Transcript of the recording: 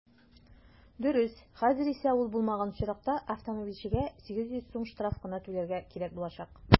Дөрес, хәзер исә ул булмаган очракта автомобильчегә 800 сум штраф кына түләргә кирәк булачак.